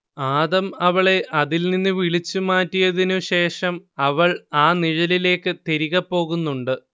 ആദം അവളെ അതിൽ നിന്നു വിളിച്ചു മാറ്റിയതിനു ശേഷവും അവൾ ആ നിഴലിലേയ്ക്ക് തിരികേ പോകുന്നുണ്ട്